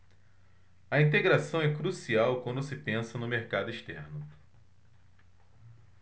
a integração é crucial quando se pensa no mercado externo